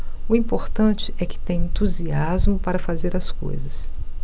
o importante é que tenho entusiasmo para fazer as coisas